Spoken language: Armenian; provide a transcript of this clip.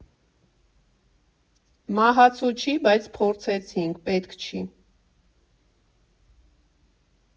Մահացու չի, բայց փորձեցինք՝ պետք չի։